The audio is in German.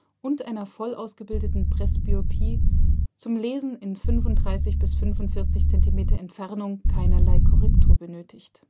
und einer voll ausgebildeten Presbyopie zum Lesen in 35 bis 45 Zentimeter Entfernung keinerlei Korrektur benötigt